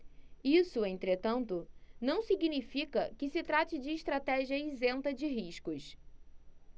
isso entretanto não significa que se trate de estratégia isenta de riscos